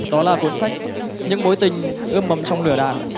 đó là cuốn sách những mối tình ươm mầm trong lửa đạn